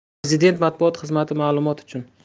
prezident matbuot xizmatima'lumot uchun